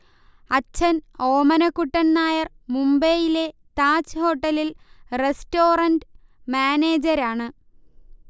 അച്ഛൻ ഓമനക്കുട്ടൻ നായർ മുബൈയിലെ താജ് ഹോട്ടലിൽ റസ്റ്റോറന്റ് മാനേജരാണ്